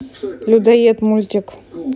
людоед мультик